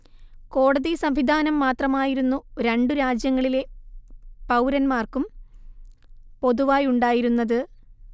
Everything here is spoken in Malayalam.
കോടതി സംവിധാനം മാത്രമായിരുന്നു രണ്ടുരാജ്യങ്ങളിലെ പൗരന്മാർക്കും പൊതുവായുണ്ടായിരുന്നത്